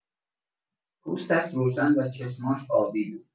پوستش روشن و چشماش آبی بود.